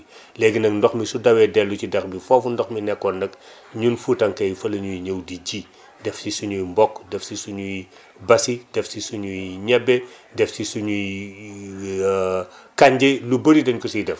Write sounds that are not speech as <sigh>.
<breath> léegi nag ndox mi su dawee dellu ci dex bi foofu ndox mi nekkoon nag <breath> ñun fuutànke yi fa la ñuy ñëw di ji <inhales> def si suñuy mboq def si suñuy basi def si suñuy ñebe def si suñuy <hesitation> kanje lu bëri dañ ko siy def